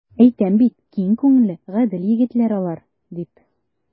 Әйтәм бит, киң күңелле, гадел егетләр алар, дип.